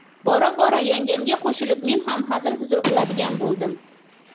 bora bora yangamga qo'shilib men ham hazil huzul qiladigan bo'ldim